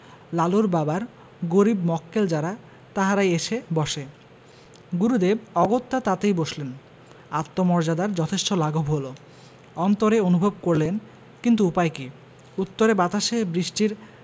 লালুর বাবার গরীব মক্কেল যারা তাহারাই এসে বসে গুরুদেব অগত্যা তাতেই বসলেন আত্মমর্যাদার যথেষ্ট লাঘব হলো অন্তরে অনুভব করলেন কিন্তু উপায় কি উত্তরে বাতাসে বৃষ্টির